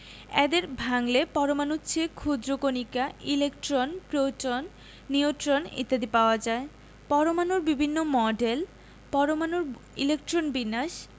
এদের ভাঙলে পরমাণুর চেয়েও ক্ষুদ্র কণিকা ইলেকট্রন প্রোটন নিউট্রন ইত্যাদি পাওয়া যায় পরমাণুর বিভিন্ন মডেল পরমাণুর ইলেকট্রন বিন্যাস